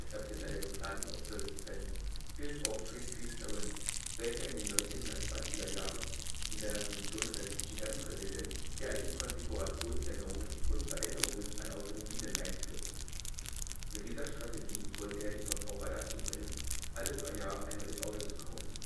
Erfinder der „ geplanten Obsoleszenz “gilt Alfred P. Sloan, welcher in den 1920er Jahren in seiner Funktion als GM-Präsident jährliche Konfigurationsänderungen und Veränderungen an Automobilen einführte. Mit dieser Strategie wollte er die Verbraucher dazu bringen, alle drei Jahre ein neues Auto zu kaufen